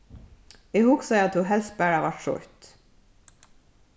eg hugsaði at tú helst bara vart troytt